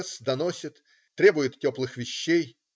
С. доносит, требует теплых вещей.